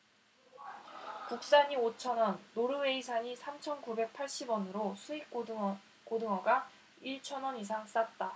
국산이 오 천 원 노르웨이산이 삼 천 구백 팔십 원으로 수입 고등어가 일 천 원 이상 쌌다